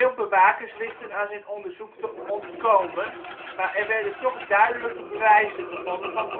bewakers wisten aan zijn onderzoek te ontkomen, maar er werden toch duidelijke bewijzen gevonden van corruptie